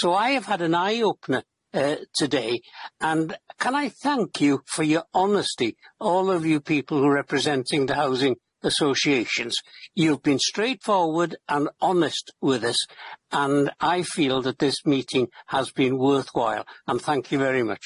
So I've had an eye-opener err today, and can I thank you for your honesty, all of you people who are representing the housing associations, you've been straight forward and honest with us, and I feel that this meeting has been worthwhile, and thank you very much.